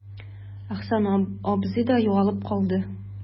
Әхсән абзый да югалып калды.